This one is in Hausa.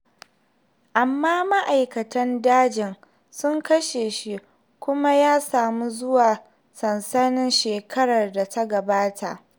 Amma ma'aikatan dajin sun sake shi kuma ya samu zuwa sansanin shekarar da ta gabata.